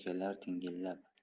kunda kelar tingillab